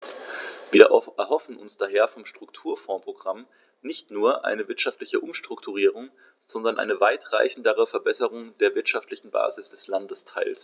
Wir erhoffen uns daher vom Strukturfondsprogramm nicht nur eine wirtschaftliche Umstrukturierung, sondern eine weitreichendere Verbesserung der wirtschaftlichen Basis des Landesteils.